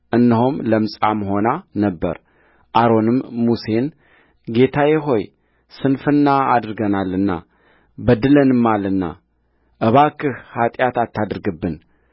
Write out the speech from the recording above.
እነሆም ለምጻም ሆና ነበርአሮንም ሙሴን ጌታዬ ሆይ ስንፍና አድርገናልና በድለንማልና እባክህ ኃጢአት አታድርግብን